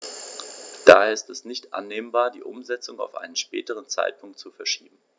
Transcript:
Daher ist es nicht annehmbar, die Umsetzung auf einen späteren Zeitpunkt zu verschieben.